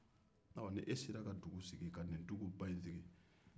ɔɔ ni e sera ka ni dugu sigi ka ni duguba in sigi